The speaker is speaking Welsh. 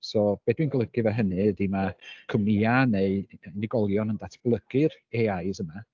so be dwi'n golygu efo hynny ydy ma' cwmnïau neu unigolion yn datblygu'r AIs yma.